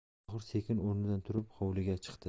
tohir sekin o'rnidan turib hovliga chiqdi